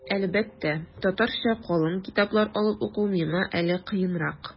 Әлбәттә, татарча калын китаплар алып уку миңа әле кыенрак.